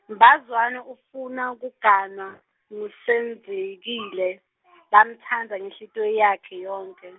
Mbazwana ufuna kuganwa, nguSenzekile, lamtsandza ngenhlitiyo yakhe yonkhe.